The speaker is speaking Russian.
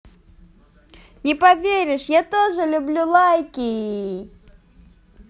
не поверишь я тоже люблю лайки